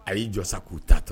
A y'i jɔ sa k'u ta ta